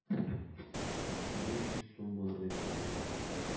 500 сум булыр дип көтелә.